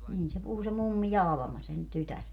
niin se puhui se mummi ja Alma sen tytär